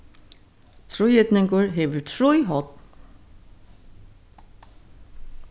tríhyrningur hevur trý horn